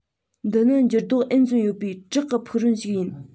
འདི ནི འགྱུར ལྡོག ཨེན ཙམ ཡོད པའི བྲག གི ཕུག རོན ཞིག ཡིན